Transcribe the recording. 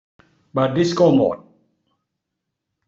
เปิดดิสโก้โหมด